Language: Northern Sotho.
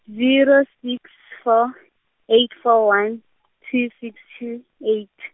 zero six four, eight four one, two six two, eight.